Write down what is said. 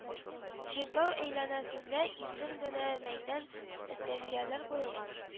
Чиркәү әйләнәсендә иркен генә мәйдан эскәмияләр куелган